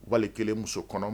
Wali kelen muso